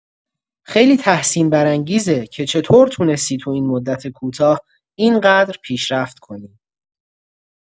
خیلی تحسین برانگیزه که چطور تونستی تو این مدت کوتاه اینقدر پیشرفت کنی.